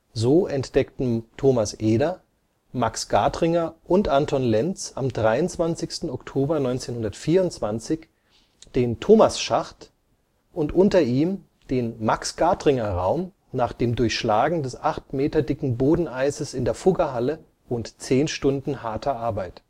So entdeckten Thomas Eder, Max Gadringer und Anton Lenz am 23. Oktober 1924 den Thomasschacht und unter ihm den Max-Gadringer-Raum nach dem Durchschlagen des acht Meter dicken Bodeneises in der Fuggerhalle und zehn Stunden harter Arbeit